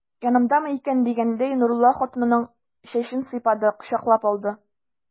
Янымдамы икән дигәндәй, Нурулла хатынының чәчен сыйпады, кочаклап алды.